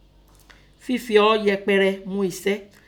Fẹfin ọọ́ yẹpẹrẹ mu ẹ̀sẹ